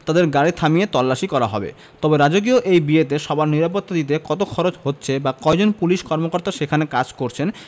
তাঁদের গাড়ি থামিয়ে তল্লাশি করা হবে তবে রাজকীয় এই বিয়েতে সবার নিরাপত্তা দিতে কত খরচ হচ্ছে বা কয়জন পুলিশ কর্মকর্তা সেখানে কাজ করছেন